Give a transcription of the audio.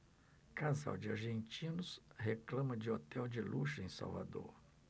casal de argentinos reclama de hotel de luxo em salvador